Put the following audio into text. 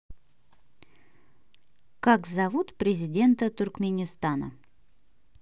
как зовут президента туркменистана